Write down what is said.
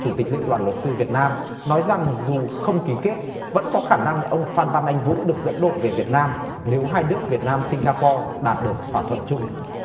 chủ tịch liên đoàn luật sư việt nam nói rằng dù không ký kết vẫn có khả năng ông phan văn anh vũ được dẫn độ về việt nam nếu hai nước việt nam sing ga po đạt được thỏa thuận chung